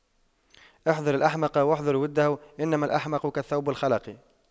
احذر الأحمق واحذر وُدَّهُ إنما الأحمق كالثوب الْخَلَق